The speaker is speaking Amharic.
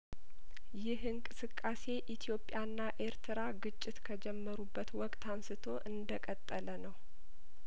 ይህ እንቅስቃሴ ኢትዮጵያና ኤርትራ ግጭት ከጀመሩበት ወቅት አንስቶ እንደቀጠለነው